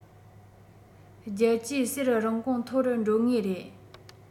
རྒྱལ སྤྱིའི གསེར རིན གོང མཐོ རུ འགྲོ ངེས རེད